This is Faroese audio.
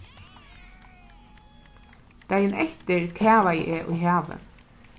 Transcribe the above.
dagin eftir kavaði eg í havið